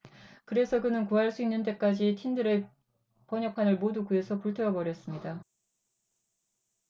그래서 그는 구할 수 있는 데까지 틴들의 번역판을 모두 구해서 불태워 버렸습니다